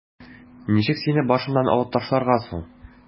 Ничек сине башымнан алып ташларга соң?